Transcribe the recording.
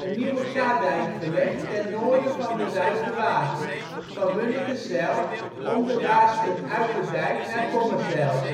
nieuwe kadijk gelegd ten noorden van de Ruigewaard; van Munnekezijl om de ' Waarster Uijterdijck ' naar Kommerzijl